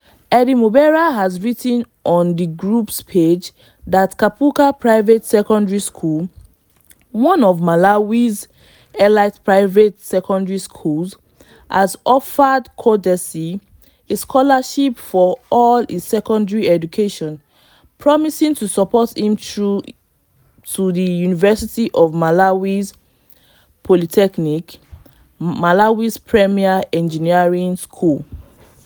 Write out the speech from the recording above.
Eddie Mombera has written on the group's page that Kaphuka Private Secondary School, one of Malawi's elite private secondary schools, has offered Kondesi “a scholarship for all his secondary education,” promising to support him through to the University of Malawi's Polytechnic, Malawi's premier engineering school.